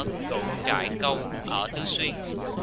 cửu trại câu ở tứ xuyên